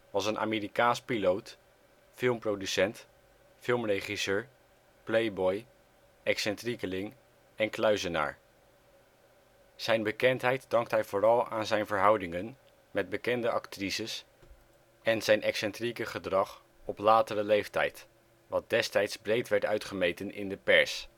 was een Amerikaans piloot, filmproducent, filmregisseur, playboy, excentriekeling en kluizenaar. Zijn bekendheid dankt hij vooral aan zijn verhoudingen met bekende actrices en zijn excentrieke gedrag op latere leeftijd, wat destijds breed werd uitgemeten in de pers.